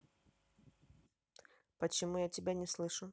почему я тебя не слышу